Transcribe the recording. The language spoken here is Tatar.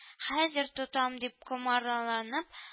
Хәзер тотам дип комарланып